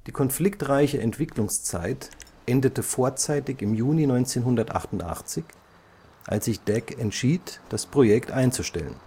konfliktreiche Entwicklungszeit endete vorzeitig im Juni 1988, als sich DEC entschied, das Projekt einzustellen